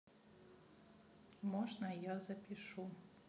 можно я запишу